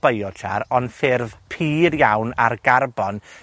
biochar, ond ffurf pur iawn ar garbon